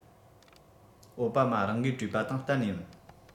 ཨའོ པ མ རང གིས བྲིས པ དང གཏན ནས མིན